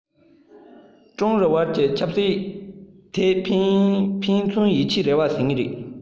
ཀྲུང རིའི དབར གྱི ཆབ སྲིད ཐད ཕན ཚུན ཡིད ཆེས རེ བ བྱེད ངེས རེད